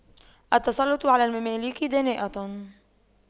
التسلُّطُ على المماليك دناءة